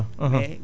xam nañ ko trop